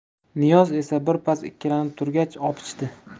niyoz esa birpas ikkilanib turgach opichdi